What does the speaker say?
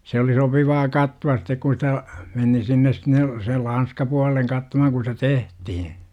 se oli sopivaa katsoa sitten kun sitä meni sinne sinne se lanskapuolelle katsomaan kun sitä tehtiin